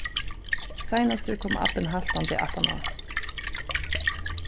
seinastur kom abbin haltandi aftaná